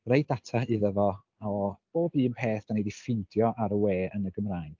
Roi data iddo fo o bob un peth da ni 'di ffeindio ar y we yn y Gymraeg.